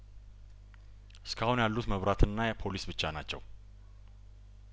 እስካሁን ያሉት መብራትና የፖሊስ ብቻ ናቸው